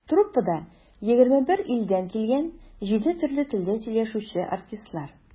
Труппада - 21 илдән килгән, җиде төрле телдә сөйләшүче артистлар.